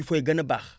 yu fay gën a baax